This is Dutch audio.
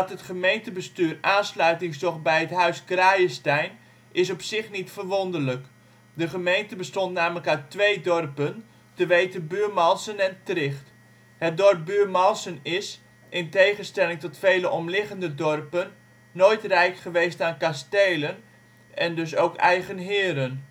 het gemeentebestuur aansluiting zocht bij het Huis Crayestein is op zich niet verwonderlijk. De gemeente bestond namelijk uit twee dorpen, te weten Buurmalsen en Tricht. Het dorp Buurmalsen is, in tegenstelling tot vele omliggende dorpen, nooit rijk geweest aan kastelen en dus ook eigen Heren